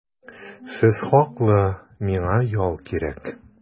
Сез хаклы, миңа ял кирәк.